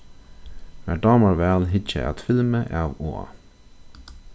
mær dámar væl hyggja at filmi av og á